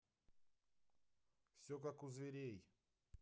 все как у зверей